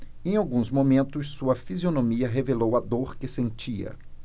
em alguns momentos sua fisionomia revelou a dor que sentia